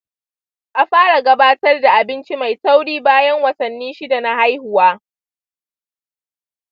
a fara gabatar da abinci mai tauri bayan watanni shida na haihuwa.